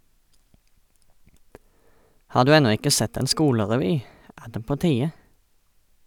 Har du ennå ikke sett en skolerevy, er det på tide.